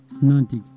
noon tigui